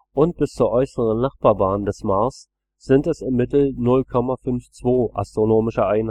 und bis zur äußeren Nachbarbahn des Mars sind es im Mittel 0,52 AE